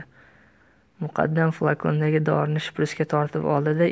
muqaddam flakondagi dorini shprisga tortib oldida